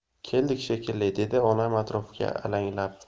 keldik shekilli dedi onam atrofga alanglab